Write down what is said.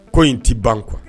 Ko in tɛ ban quoi